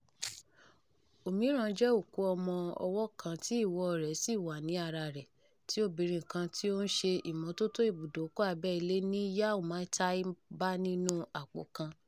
Òmíràn jẹ́ òkú ọmọ-ọwọ́ kan tí ìwọ́ọ rẹ̀ ṣì wà ní a ara rẹ̀, tí obìrin kan tí ó ń ṣe ìmọ́tótó ìbùdókọ̀ abẹ́-ilẹ̀ ní Yau Ma Tei bá nínú àpò kan.